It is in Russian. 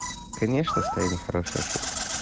конечно стояния хорошая штука